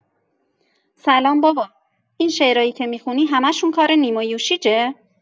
سلام بابا، این شعرایی که می‌خونی همشون کار نیما یوشیجه؟